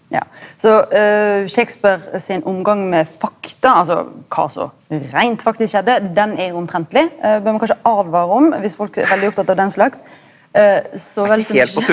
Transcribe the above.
ja så Shakespeare sin omgang med fakta altså kva som reint faktisk skjedde den er omtrentleg me må kanskje åtvare om viss folk er veldig opptatt av den slags så vel så .